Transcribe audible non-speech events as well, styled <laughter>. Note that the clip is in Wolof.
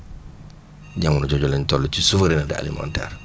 <noise> jamono jopoju la ñu toll ci souveraineté alimentaire